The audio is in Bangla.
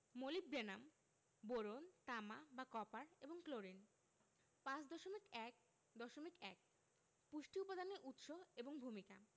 মোলিবডেনাম বোরন তামা বা কপার এবং ক্লোরিন ৫.১.১ পুষ্টি উপাদানের উৎস এবং ভূমিকা